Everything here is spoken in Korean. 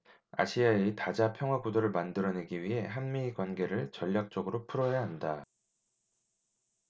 아시아의 다자 평화구도를 만들어 내기 위해 한 미 관계를 전략적으로 풀어야 한다